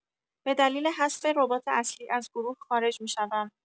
به دلیل حذف ربات اصلی از گروه خارج می‌شوم